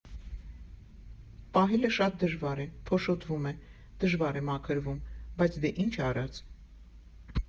Պահելը շատ դժվար է, փոշոտվում է, դժվար է մաքրվում, բայց դե ինչ արած։